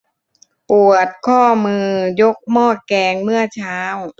ปวดข้อมือยกหม้อแกงเมื่อเช้า